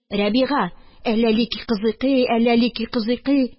Рәбига, әләлики-кызыкый, әләлики-кызыкый